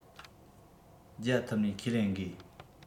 བརྒྱ ཐུབ ནས ཁས ལེན དགོས